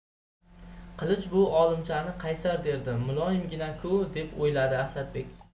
qilich bu olimchani qaysar derdi muloyimgina ku deb o'yladi asadbek